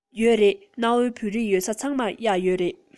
ཡོད རེད གནའ བོའི བོད རིགས ཡོད ས ཚང མར གཡག ཡོད རེད